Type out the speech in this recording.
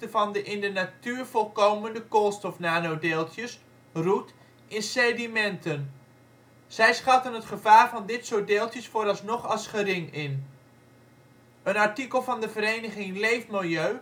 de in de natuur voorkomende koolstof-nanodeeltjes (roet) in sedimenten. Zij schatten het gevaar van dit soort deeltjes vooralsnog als gering in. Een artikel van de vereniging Leefmilieu